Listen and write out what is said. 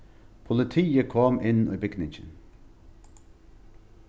politiið kom inn í bygningin